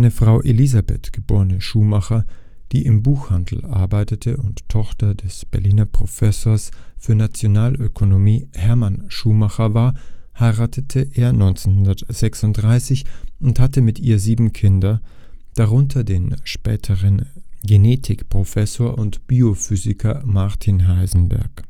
Frau Elisabeth (geb. Schumacher), die im Buchhandel arbeitete und Tochter des Berliner Professors der Nationalökonomie, Hermann Schumacher, war, heiratete er 1936 und hatte mit ihr sieben Kinder, darunter den späteren Genetik-Professor und Biophysiker Martin Heisenberg